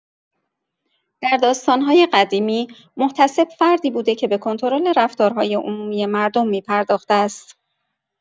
در داستان‌های قدیمی، محتسب فردی بوده که به کنترل رفتارهای عمومی مردم می‌پرداخته است.